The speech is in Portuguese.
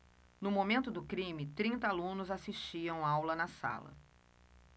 no momento do crime trinta alunos assistiam aula na sala